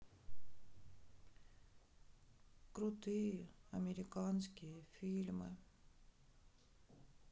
крутые американские фильмы